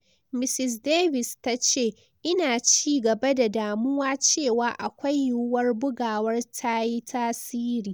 Ms Davis ta ce: "Ina ci gaba da damuwa cewa akwai yiwuwar bugawar ta yi tasiri."